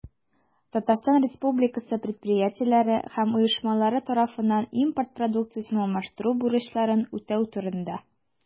Татарстан Республикасы предприятиеләре һәм оешмалары тарафыннан импорт продукциясен алмаштыру бурычларын үтәү турында.